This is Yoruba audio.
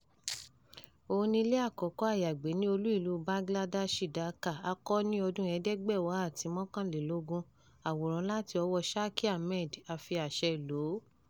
Òun ni ilé àkọ́kọ́ àyàgbé ní olú-ìlú Bangladeshi, Dhaka, a kọ́ ọ ní ọdún-un 1870. Àwòrán láti ọwọ́ọ Shakil Ahmed, a fi àṣẹ lò ó.